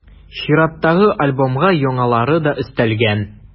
Чираттагы альбомга яңалары да өстәлгән.